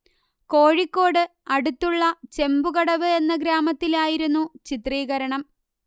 കോഴിക്കോട് അടുത്തുള്ള ചെമ്പുകടവ് എന്ന ഗ്രാമത്തിലായിരുന്നു ചിത്രീകരണം